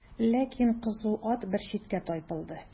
Ләкин кызу ат бер читкә тайпылды.